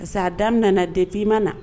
Sa'a daminɛmin defini ma na